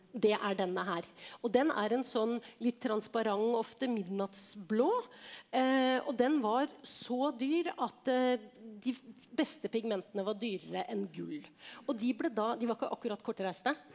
det er denne her, og den er en sånn litt transparent ofte midnattsblå og den var så dyr at de beste pigmentene var dyrere enn gull og de ble da de var ikke akkurat kortreiste.